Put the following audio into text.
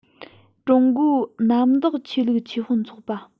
ཀྲུང གོའི གནམ བདག ཆོས ལུགས ཆོས དཔོན ཚོགས པ